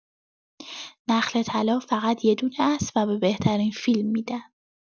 نخل طلا فقط یه دونه است و به بهترین فیلم می‌دن.